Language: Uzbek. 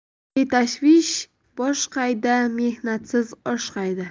betashvish bosh qayda mehnatsiz osh qayda